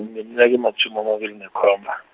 ngineminyaka ematjhumi amabilli nekhomba.